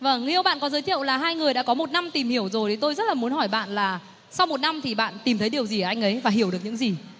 vầng người yêu bạn có giới thiệu là hai người đã có một năm tìm hiểu rồi thì tôi rất là muốn hỏi bạn là sau một năm thì bạn tìm thấy điều gì ở anh ấy và hiểu được những gì